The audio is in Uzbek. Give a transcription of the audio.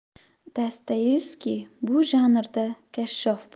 dostoyevskiy bu janrda kashshof bo'lgan